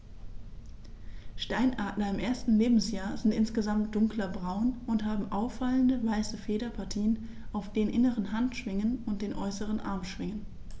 Steinadler im ersten Lebensjahr sind insgesamt dunkler braun und haben auffallende, weiße Federpartien auf den inneren Handschwingen und den äußeren Armschwingen.